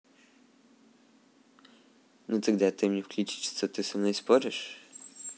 ну тогда ты мне включить что ты со мной споришь